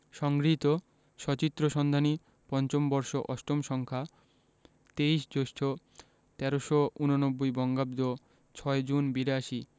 সংগৃহীত সচিত্র সন্ধানী৫ম বর্ষ ৮ম সংখ্যা ২৩ জ্যৈষ্ঠ ১৩৮৯ বঙ্গাব্দ ৬ জুন ৮২